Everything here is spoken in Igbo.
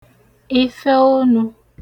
ifẹonū